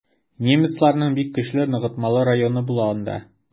Немецларның бик көчле ныгытмалы районы була анда.